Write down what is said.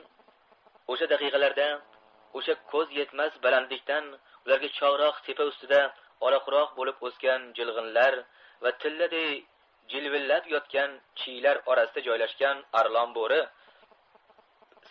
o'sha daqiqalarda o'sha ko'z yetmas balandlikdan ularga chog'roq tepa ustida ola quroq bo'lib o'sgan jilg'inlar va tilladay jilvillab yotgan chiylar orasida joylashgan arlon bo'ri